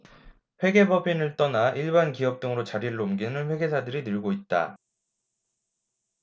회계법인을 떠나 일반 기업 등으로 자리를 옮기는 회계사들이 늘고 있다